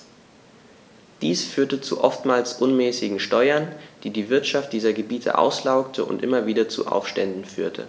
Dies führte zu oftmals unmäßigen Steuern, die die Wirtschaft dieser Gebiete auslaugte und immer wieder zu Aufständen führte.